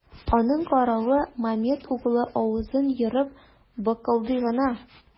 Аның каравы, Мамед углы авызын ерып быкылдый гына.